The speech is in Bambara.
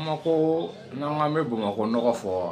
Kuma koo n'an ko an bɛ Bamakɔ nɔgɔ fɔɔ